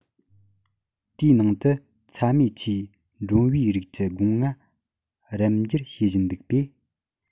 དེའི ནང དུ ཚྭ མེད ཆུའི འགྲོན བུའི རིགས ཀྱི སྒོ ང རུམ འགྱུར བྱེད བཞིན འདུག པས